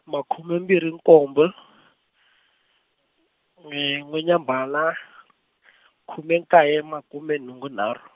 makhume mbirhi nkombo e n'wenyamhala, khume nkaye makume nhungu nharhu.